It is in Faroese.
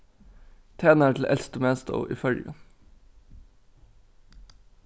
tænari til elstu matstovu í føroyum